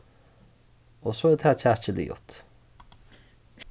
og so er tað kjakið liðugt